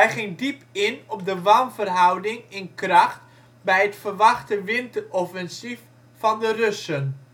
ging diep in op de wanverhouding in kracht bij het verwachte winteroffensief van de Russen